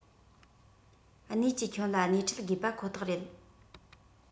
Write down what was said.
གནས ཀྱིས ཁྱོན ལ སྣེ ཁྲིད དགོས པ ཁོ ཐག རེད